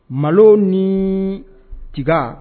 Malo ni tiga